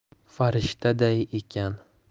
farishtaday ekan